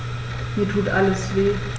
Mir tut alles weh.